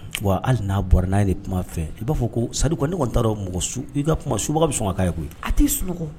Wa hali n'a bɔra n'a de kuma fɛ i b'a fɔ ko saku ne kɔni taara dɔn mɔgɔ su i ka kuma suba bɛ sɔn ka ye koyi a tɛ'i sukɔ